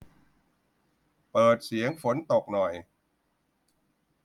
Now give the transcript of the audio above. เปิดเสียงฝนตกหน่อย